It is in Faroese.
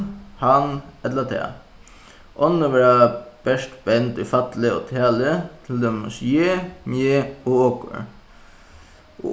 hann ella tað onnur verða bert bend í falli og tali til dømis eg meg og okur